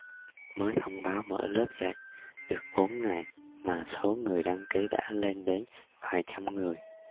mới thông báo mở lợp dạy được bốn ngày mà số người đăng ký đã lên đến vài trăm người